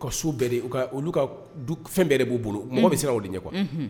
Ka so bɛɛ ka olu ka fɛn bɛɛ b'u bolo mɔgɔ bɛ se o de ɲɛ kuwa